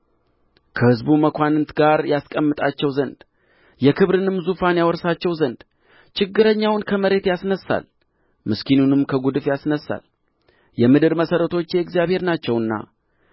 ከሕዝቡ መኳንንት ጋር ያስቀምጣቸው ዘንድ የክብርንም ዙፋን ያወርሳቸው ዘንድ ችግረኛውን ከመሬት ያስነሣል ምስኪኑንም ከጉድፍ ያስነሣል የምድር መሠረቶች የእግዚአብሔር ናቸውና